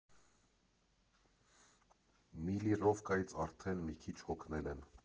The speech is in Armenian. Միլիռովկայից արդեն մի քիչ հոգնել եմ…